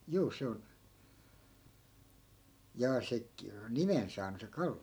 juu se on jaa se - nimen saanut se kallio